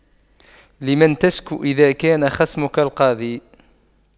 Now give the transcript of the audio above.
لمن تشكو إذا كان خصمك القاضي